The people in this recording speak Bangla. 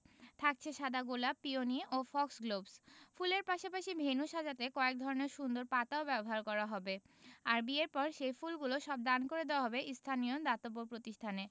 থাকছে সাদা গোলাপ পিওনি ও ফক্সগ্লোভস ফুলের পাশাপাশি ভেন্যু সাজাতে কয়েক ধরনের সুন্দর পাতাও ব্যবহার করা হবে আর বিয়ের পর সেই ফুলগুলো সব দান করে দেওয়া হবে স্থানীয় দাতব্য প্রতিষ্ঠানে